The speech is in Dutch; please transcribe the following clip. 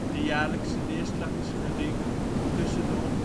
De jaarlijkse neerslag is gering; tussen